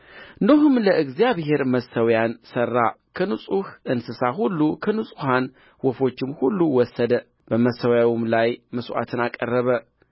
ኖኅም ለእግዚአብሔር መሠውያውን ሠራ ከንጹሕም እንስሳ ሁሉ ከንጹሐን ወፎችም ሁሉ ወሰደ በመሠውያውም ላይ መሥዋዕትን አቀረበ